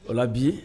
O la bi